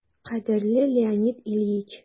«кадерле леонид ильич!»